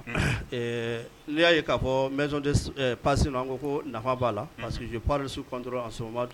Ɛɛ, n'i y'a ye ka fɔ ko maison de passe an ko, ko nafa b'a la. Unhun! Parce que je parle sous contrôle en ce moment